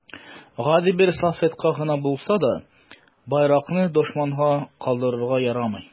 Гади бер салфетка гына булса да, байракны дошманга калдырырга ярамый.